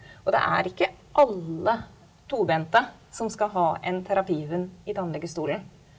og det er ikke alle tobente som skal ha en terapihund i tannlegestolen.